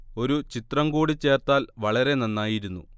ഒരു ചിത്രം കൂടി ചേർത്താൽ വളരെ നന്നായിരുന്നു